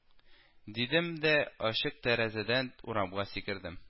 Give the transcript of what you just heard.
Дидем, дә, ачык тәрәзәдән урамга сикердем